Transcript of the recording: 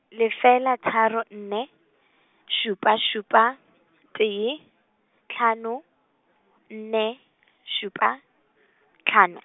lefela tharo nne, šupa šupa, tee, tlhano, nne, šupa, tlhano.